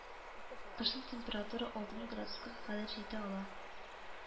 Кышын температура алтмыш градуска кадәр җитә ала